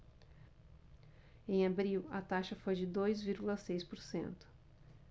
em abril a taxa foi de dois vírgula seis por cento